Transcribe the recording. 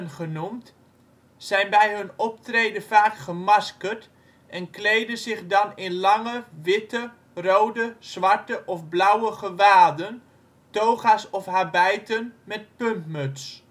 genoemd) zijn bij hun optreden vaak gemaskerd en kleden zich dan in lange witte, rode, zwarte of blauwe gewaden (toga 's of habijten met puntmuts